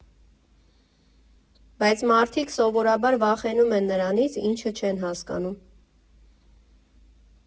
Բայց մարդիկ սովորաբար վախենում են նրանից, ինչը չեն հասկանում։